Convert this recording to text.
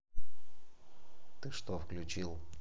ты что включил